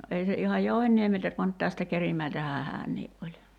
ei se ihan Jouhenniemeltä vaan nyt tästä Kerimäeltähän hän oli